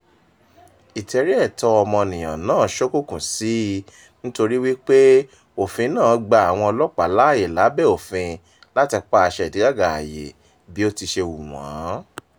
Ìtẹ́rí ẹ̀tọ́ ọmọnìyàn náà ṣ'ókùnkùn sí i nítorí wípé òfin náà gba àwọn ọlọ́pàá láyè lábẹ́ òfin láti pa àṣẹ ìdígàgá-àyè bí ó ti ṣe hù wọ́n.